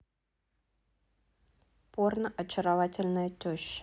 порно очаровательная теща